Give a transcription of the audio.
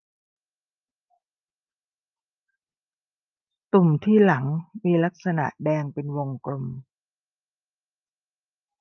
ตุ่มที่หลังมีลักษณะแดงเป็นวงกลม